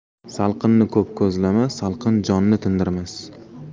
salqinni ko'p ko'zlama salqin jonni tindirmas